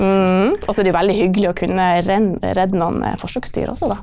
også er det jo veldig hyggelig å kunne redde noen forsøksdyr også da.